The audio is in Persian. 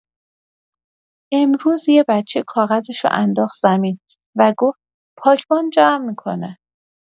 امروز یه بچه کاغذش رو انداخت زمین و گفت پاکبان جمع می‌کنه.